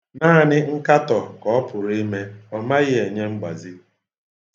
Naanị nkatọ ka ọ pụrụ ime, ọ maghị enye mgbazi.